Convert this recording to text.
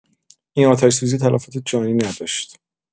این آتش‌سوزی تلفات جانی نداشت.